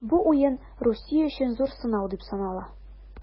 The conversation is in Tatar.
Бу уен Русия өчен зур сынау дип санала.